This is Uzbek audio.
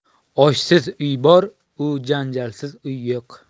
oshsiz uy bor u janjalsiz uy yo'q